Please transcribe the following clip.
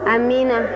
amiina